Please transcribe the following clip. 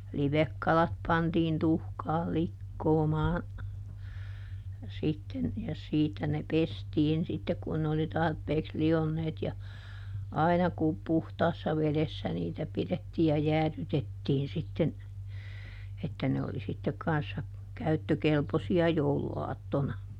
livekalat pantiin tuhkaan likoamaan sitten ja siitä ne pestiin sitten kun ne oli tarpeeksi lionneet ja aina kun puhtaassa vedessä niitä pidettiin ja jäädytettiin sitten että ne oli sitten kanssa käyttökelpoisia jouluaattona